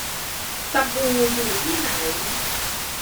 ตะปูอยู่ที่ไหน